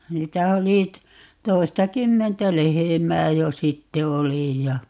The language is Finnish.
niitä oli - toistakymmentä lehmää jo sitten oli ja